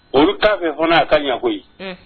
Olu ka fana'a ka ɲ koyi